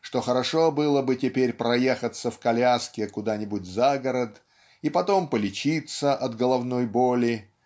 что хорошо было бы теперь проехаться в коляске куда-нибудь за город и потом полечиться от головной боли